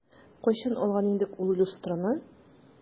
Кайчан алган идек ул люстраны?